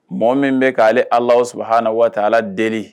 Mɔgɔ min bɛ k’ale Alahu sabuhana watala deli